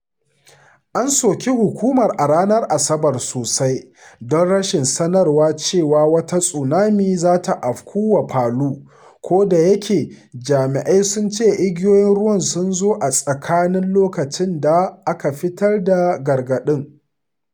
An soki hukumar a ranar Asabar sosai don rashin sanarwa cewa wata tsunami za ta afka wa Palu, kodayake jami’ai sun ce igiyoyin ruwa sun zo a tsakanin loƙacin da aka fitar da gargaɗin.